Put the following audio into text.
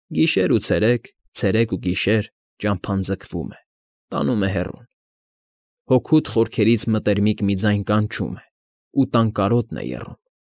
Գիշեր ու ցերեկ, ցերեկ ու գիշեր Ճամփան ձգվում է հեռուն, Հոգուդ խորքերից մտերմիկ մի ձայն Կանչում է… ու տան կարոտն է եռում։